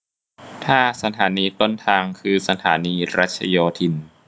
ถ้าสถานีต้นทางคือสถานีรัชโยธิน